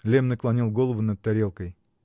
Лемм наклонил голову над тарелкой.